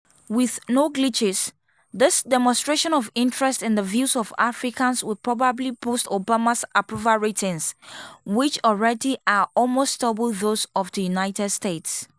With no glitches, this demonstration of interest in the views of Africans will probably boost Obama's global approval ratings, which already are almost double those of the United States.